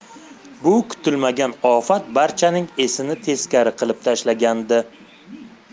bu kutilmagan ofat barchaning esini teskari qilib tashlagandi